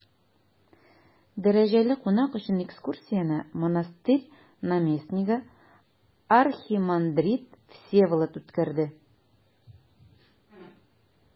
Дәрәҗәле кунак өчен экскурсияне монастырь наместнигы архимандрит Всеволод үткәрде.